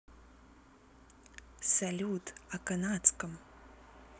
салют о канадском